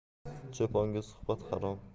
cho'ponga suhbat harom